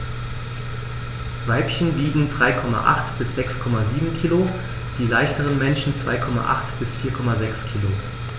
Weibchen wiegen 3,8 bis 6,7 kg, die leichteren Männchen 2,8 bis 4,6 kg.